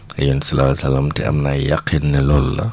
ak yonent bi salaahu alyhi wa salaam te am naa yaqiin ne loolu la